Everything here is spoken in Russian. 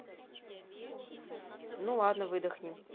ну ладно выдохни